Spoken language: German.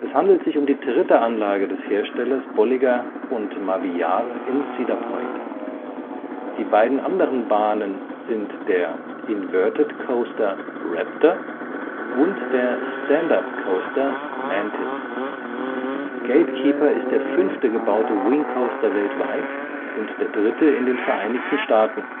handelt sich um die dritte Anlage des Herstellers Bolliger & Mabillard in Cedar Point. Die beiden anderen Bahnen sind der Inverted Coaster Raptor und der Stand-Up Coaster Mantis. GateKeeper ist der fünfte gebaute Wing Coaster weltweit und der dritte in den Vereinigten Staaten